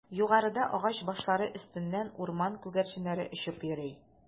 Югарыда агач башлары өстеннән урман күгәрченнәре очып йөри.